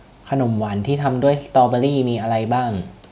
ขนมหวานที่ทำด้วยสตอเบอร์รี่มีอะไรบ้าง